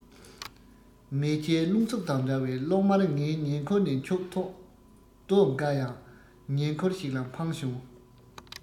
མེ ལྕེའི རླུང འཚུབ དང འདྲ བའི གློག དམར ངའི ཉེ འཁོར ནས འཁྱུག ཐོག རྡོ འགའ ཡང ཉེ འཁོར ཞིག ལ འཕངས བྱུང